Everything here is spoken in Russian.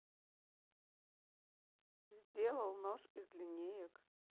сделал нож из линеек